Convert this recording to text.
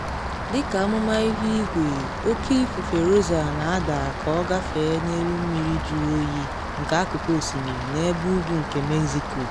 Dị ka amụma ihuigwe, Oke Ifufe Rosa na ada ka ọ agafe n’elu mmiri juru oyi nke akụkụ osimiri n’ebe ugwu nke Mexico.